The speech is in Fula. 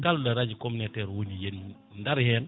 kalɗo radio communautaire woni yen daaro hen